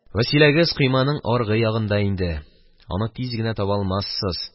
Вәсиләгез койманың аргы ягында инде, аны тиз генә таба алмассыз.